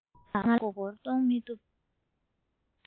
ང ལ མགོ སྐོར གཏོང མི ཐུབ